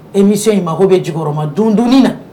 Imi in mako bɛ ji ma dond na